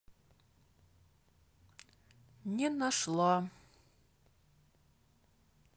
не нашла